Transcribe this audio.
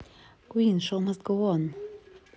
queen show must go on